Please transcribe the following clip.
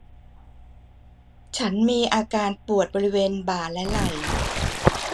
ฉันมีอาการปวดบริเวณบ่าและไหล่